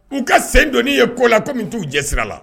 K' ka sendoni ye kɔ la kɔmi min t'u jɛ sira la